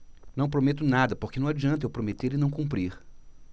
não prometo nada porque não adianta eu prometer e não cumprir